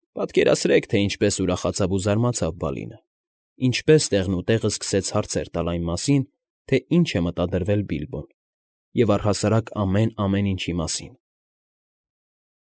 Պատկերացրեք, թե ինչպես ուրախացավ ու զարմացավ Բալինը, ինչպես տեղնուտեղը սկսեց հարցեր տալ այն մասին, թե ինչ է մտադրվել Բիլբոն, և առհասարակ ամեն, ամեն ինչի մասին։ ֊